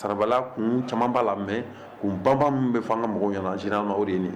Sarabalila kun caman b'a la mais kun baba minnu bɛ fɔ an ka mɔgɔw ɲɛna généralement o de ye nin ye